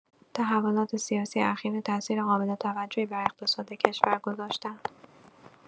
تحولات سیاسی اخیر تاثیر قابل‌توجهی بر اقتصاد کشور گذاشته‌اند.